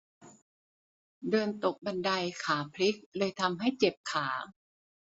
เดินตกบันไดขาพลิกเลยทำให้เจ็บขา